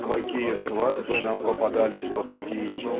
"Какие свадьбы нам попадались по пути